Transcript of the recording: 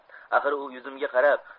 axir u yuzimga qarab